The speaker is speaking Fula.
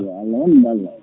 yo Allah won ballo